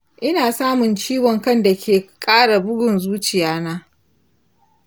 ina samun ciwon kan da ke ƙara bugun zuciya na